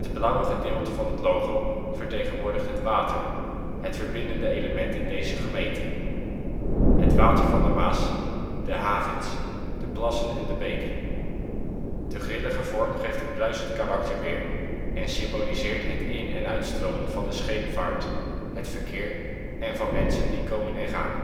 blauwe gedeelte vertegenwoordigt het water, het verbindende element in deze gemeente. Het water van de Maas, de havens, de plassen en de beken. De grillige vorm geeft het bruisend karakter weer en symboliseert het in - en uitstromen van de scheepvaart, het verkeer en van mensen die komen en gaan